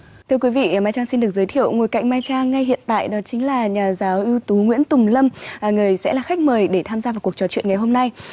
thưa quý vị mai trang xin được giới thiệu ngồi cạnh mai trang ngay hiện tại đó là chính là nhà giáo ưu tú nguyễn tùng lâm người sẽ là khách mời để tham gia vào cuộc trò chuyện ngày hôm nay